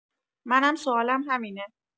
منم سوالم همینه